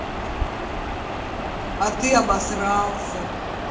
а ты обосрался